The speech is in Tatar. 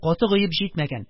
Катык оеп җитмәгән,